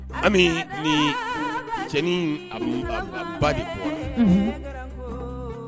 Ami nin cɛnin a ba de , unhun.